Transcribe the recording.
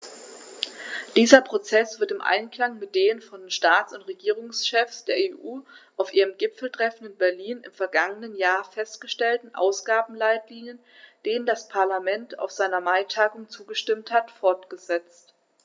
Dieser Prozess wird im Einklang mit den von den Staats- und Regierungschefs der EU auf ihrem Gipfeltreffen in Berlin im vergangenen Jahr festgelegten Ausgabenleitlinien, denen das Parlament auf seiner Maitagung zugestimmt hat, fortgesetzt.